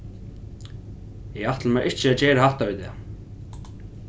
eg ætli mær ikki at gera hatta í dag